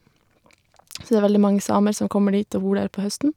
Så det er veldig mange samer som kommer dit og bor der på høsten.